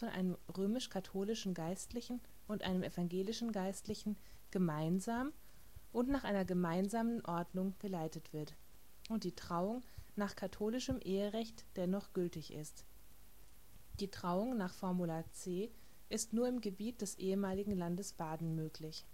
einem römisch-katholischen Geistlichen und einem evangelischen Geistlichen gemeinsam und nach einer gemeinsamen Ordnung geleitet wird und die Trauung nach katholischem Eherecht dennoch gültig ist. Die Trauung nach Formular C ist nur im Gebiet des ehemaligen Landes Baden möglich